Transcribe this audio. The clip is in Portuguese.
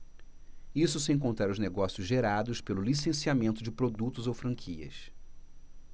isso sem contar os negócios gerados pelo licenciamento de produtos ou franquias